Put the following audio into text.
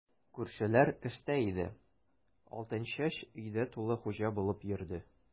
Күршеләр эштә иде, Алтынчәч өйдә тулы хуҗа булып йөрде.